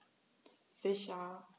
Sicher.